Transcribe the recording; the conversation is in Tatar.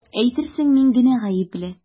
Әйтерсең мин генә гаепле!